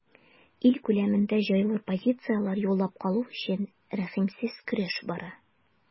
Ил күләмендә җайлы позицияләр яулап калу өчен рәхимсез көрәш бара.